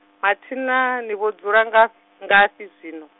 mathina ni vho dzula ngafh-, ngafhi zwino.